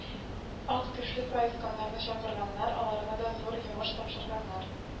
Ак түшле саесканнарны чакырганнар, аларга да зур йомыш тапшырганнар.